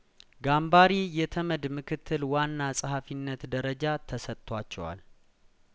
ጋምባሪ የተመድ ምክትል ዋና ጸሀፊነት ደረጃ ተሰጥቷቸዋል